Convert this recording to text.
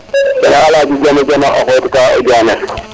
Aladji Dione xoytita o a Diane